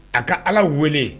A ka ala wele